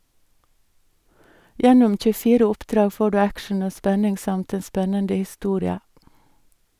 Gjennom 24 oppdrag får du action og spenning samt en spennende historie.